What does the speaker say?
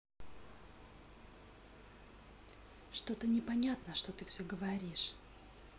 что то непонятно что ты все говоришь